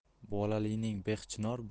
bolalining beh chinor